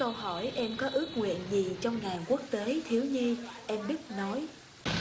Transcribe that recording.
câu hỏi em có ước nguyện gì trong ngày quốc tế thiếu nhi em đức nói